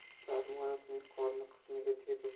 parmonovning qorin qismiga tepib